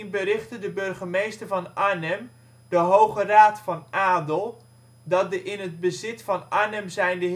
berichtte de burgemeester van Arnhem de Hoge Raad van Adel dat de in het bezit van Arnhem zijnde